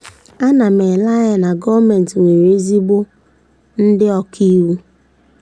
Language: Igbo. Ana m ele anya na gọọmentị nwere ezigbo ndị ọka iwu.